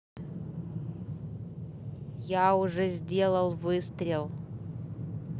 я уже сделал выстрел